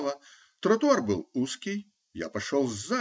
Тротуар был узкий, я пошел позади.